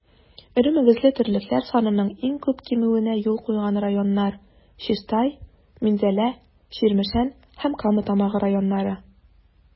Эре мөгезле терлекләр санының иң күп кимүенә юл куйган районнар - Чистай, Минзәлә, Чирмешән һәм Кама Тамагы районнары.